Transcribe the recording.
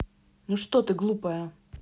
ну что ты глупая